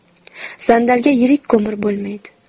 sandalga yirik ko'mir bo'lmaydi